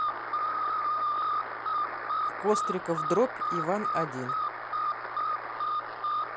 костриков дробь иван один